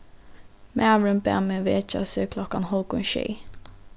maðurin bað meg vekja seg klokkan hálvgum sjey